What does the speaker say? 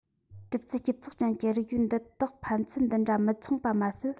གྲུབ ཚུལ ཞིབ ཚགས ཅན གྱི རིགས དབྱིབས འདི དག ཕན ཚུན འདི འདྲ མི མཚུངས པ མ ཟད